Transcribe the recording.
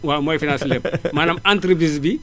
waaw mooy financé lépp maanaam entreprise bi